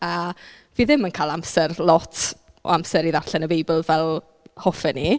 A fi ddim yn cael amser... lot o amser i ddarllen y Beibl fel hoffen ni.